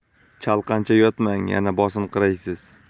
chalqancha yotmang yana bosinqiraysiz